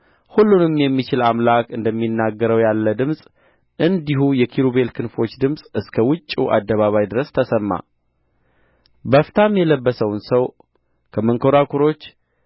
ሁሉንም የሚችል አምላክ እንደሚናገረው ያለ ጽምፅ እንዲሁ የኪሩቤል ክንፎች ድምፅ እስከ ውጭው አደባባይ ድረስ ተሰማ በፍታም የለበሰውን ሰው ከመንኰራኵሮች